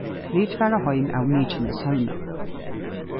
vit fara heim av mykineshólmi